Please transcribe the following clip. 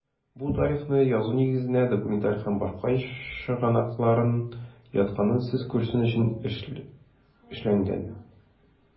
Бу тарихны язу нигезенә документаль һәм башка чыгынаклыр ятканын сез күрсен өчен эшләнгән.